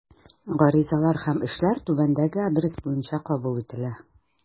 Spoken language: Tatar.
Гаризалар һәм эшләр түбәндәге адрес буенча кабул ителә.